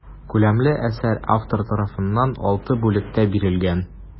Күләмле әсәр автор тарафыннан алты бүлектә бирелгән.